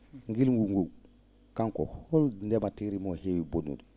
ngilngu nguu kanngu hol ndemanteeri ngu heewi bonnude